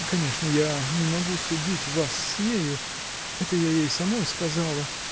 конечно, я не могу судить вас с нею -- это я ей самой сказала